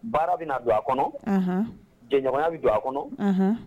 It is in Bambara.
Baara be na don a kɔnɔ, jɛɲɔgɔnya bɛ don a kɔnɔ